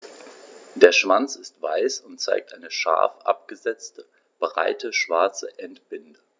Der Schwanz ist weiß und zeigt eine scharf abgesetzte, breite schwarze Endbinde.